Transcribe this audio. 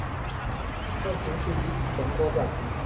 เพิ่มเสียงทีวีอีกสองระดับ